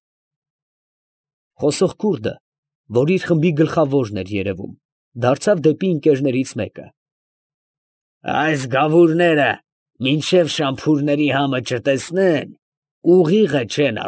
Խոսող քուրդը, որ իր խմբի գլխավորն էր երևում, դարձավ դեպի ընկերներից մեկը. ֊ Այս գավուրները մինչև շամփուրների համը չտեսնեն, ուղիղը չեն։